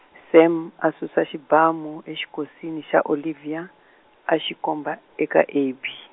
Sam a susa xibamu exikosini xa Olivia, a xi komba eka Abby.